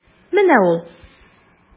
Менә ул.